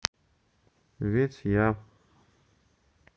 ведь я